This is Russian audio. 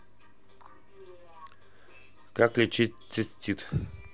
как лечить цистит